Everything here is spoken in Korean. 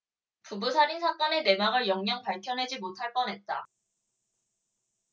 부부 살인 사건의 내막을 영영 밝혀내지 못할 뻔 했다